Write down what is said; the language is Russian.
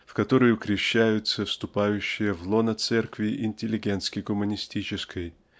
в которую крещаются вступающие в лоно церкви интеллигентски-гуманистической